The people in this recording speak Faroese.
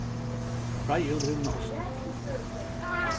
breið út rivna ostin